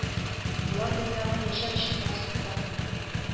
Болар дөньяга яшәр өчен мәсгуд бәхетле